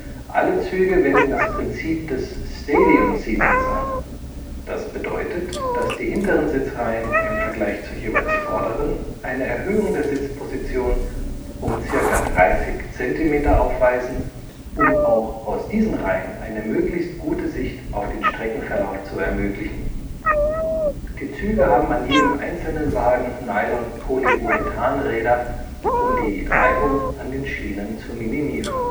Alle Züge wenden das Prinzip des Stadium Seatings an. Dies bedeutet, dass die hinteren Sitzreihen im Vergleich zur jeweils vorderen eine Erhöhung der Sitzposition um ca. 30 Zentimeter aufweisen, um auch aus diesen Reihen eine möglichst gute Sicht auf den Streckenverlauf zu ermöglichen. Die Züge haben an jedem einzelnen Wagen Nylon-Polyurethan-Räder, um die Reibung an den Schienen zu minimieren